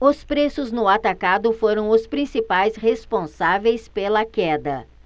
os preços no atacado foram os principais responsáveis pela queda